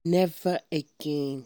‘Never again’